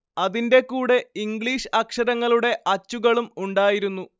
അതിന്റെ കൂടെ ഇംഗ്ലീഷ് അക്ഷരങ്ങളുടെ അച്ചുകളും ഉണ്ടായിരുന്നു